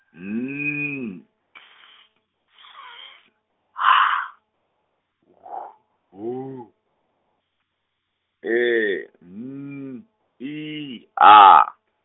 N T Š H W E N I A .